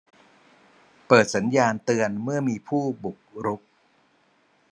เปิดสัญญาณเตือนเมื่อมีผู้บุกรุก